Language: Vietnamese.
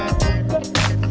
hiểu